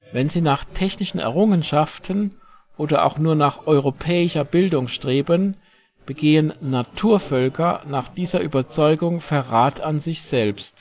Wenn sie nach technischen Errungenschaften oder auch nur nach europäischer Bildung streben, begehen " Naturvölker " nach dieser Überzeugung Verrat an sich selbt